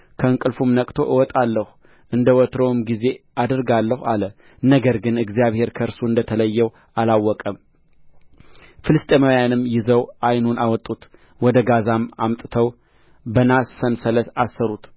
ከእንቅልፉም ነቅቶ እወጣለሁ እንደ ወትሮውም ጊዜ አደርጋለሁ አለ ነገር ግን እግዚአብሔር ከእርሱ እንደ ተለየው አላወቀም ፍልስጥኤማውያንም ይዘው ዓይኖቹን አወጡት ወደ ጋዛም አምጥተው በናስ ሰንሰለት አሰሩት